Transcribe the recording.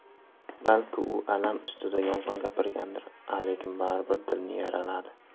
balki u alam ustida yolg'on gapirgandir a lekin baribir dilni yaraladi